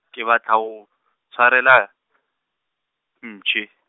ke batla ho o, tshwarela, Mpshe.